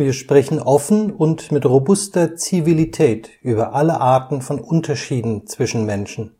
sprechen offen und mit robuster Zivilität über alle Arten von Unterschieden zwischen Menschen